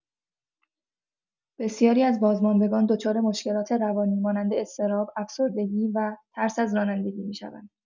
بسیاری از بازماندگان دچار مشکلات روانی مانند اضطراب، افسردگی و ترس از رانندگی می‌شوند.